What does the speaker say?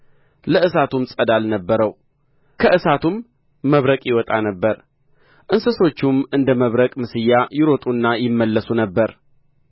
ለእሳቱም ፀዳል ነበረው ከእሳቱም መብረቅ ይወጣ ነበር እንስሶቹም እንደ መብረቅ ምስያ ይሮጡና ይመለሱ ነበር